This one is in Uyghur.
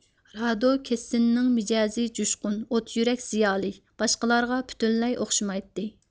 رادوكېتسنىڭ مىجەزى جۇشقۇن ئوت يۈرەك زىيالىي باشقىلارغا پۈتۈنلەي ئوخشىمايتتى